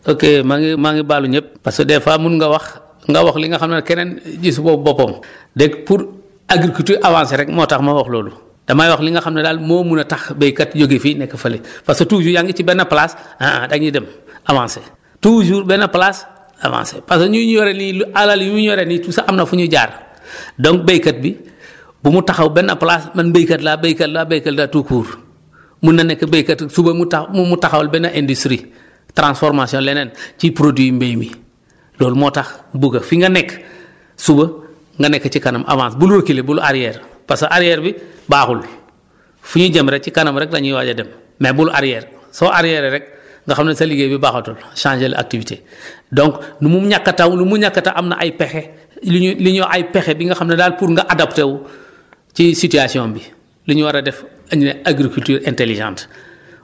ok maa ngi maa ngi baalu ñëpp parce que des fois mun nga wax nga wax li nga xam ne keneen gis boobu boppam léegi pour agriculture avancer rek moo tax ma wax loolu damay wax li nga xam ne daal moo mun a tax béykat yi jóge fii nekk fële parce que toujours yaa ngi ci benn place ah ah dañuy dem avancer toujours benn place avancer parce que ñu ñu yore nii lu alal yu yore nii tout ça am na fu ñu jaar donc béykat bi bu mu taxaw benn place man béykat laa béykat laa béykat laa tout court mun na nekk béykat suba mu taxaw moom mu taxawal benn industrie transformation leneen ci produit bi loolu moo tax bugg a fi nga nekk suba nga nekk ci kanam avance bul réculer bul arrière parce que arrière bi baaxul fu ñu jëm rek ci kanam rek la ñuy waaj a dem mais bul arrière soo arrière rek nga xam ne sa liggéey bi baaxatul changé activité donc nu mu ñàkk a taw lu mu ñàkk a taw am na ay pexe li ñuy li ñuy wax ay pexe bi nga xam ne daal pour nga adapté wu ci situation bi lu ñu war a def ak ñu ne agriculture intelligente